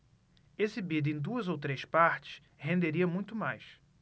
exibida em duas ou três partes renderia muito mais